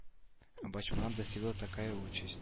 А бачмана иостигла такая участь